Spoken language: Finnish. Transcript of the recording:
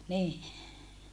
niin